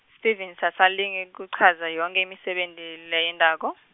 Stevens asalinge kuchaza yonkhe imisebenti, layentako.